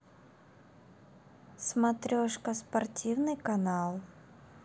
смотрешка спортивный канал